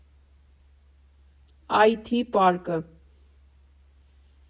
Այ Թի Պարկը։